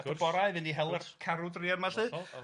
at y bora i fynd i hel yr carw druan 'ma 'lly... Wrth gwrs...